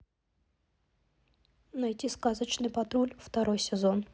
найти сказочный патруль второй сезон